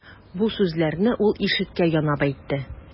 Бу сүзләрне ул ишеккә янап әйтте.